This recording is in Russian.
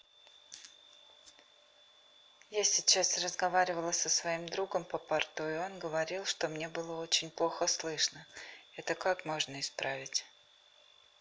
я сейчас разговаривала со своим другом по порту и он говорил что мне было очень плохо слышно это как можно исправить